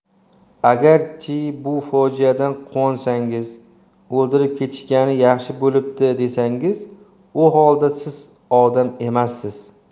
agarchi bu fojiadan quvonsangiz o'ldirib ketishgani yaxshi bo'libdi desangiz u holda siz odam emassiz